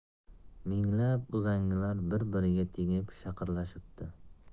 minglab uzangilar bir biriga tegib shaqirlashibdi